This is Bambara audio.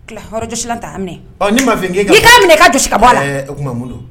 Kiila yɔrɔjɔsilan ta a minɛ, ɔ ne m'a fɔ n k'e ka, n k'i k'a minɛ i k'a jɔsi ka bɔ a la ee o tuma mun don